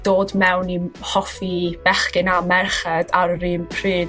dod mewn i hoffi bechgyn a merched ar yr un pryd.